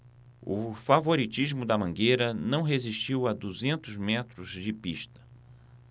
o favoritismo da mangueira não resistiu a duzentos metros de pista